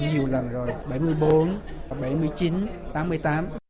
nhiều lần rồi bảy mươi bốn bảy mươi chín tám mươi tám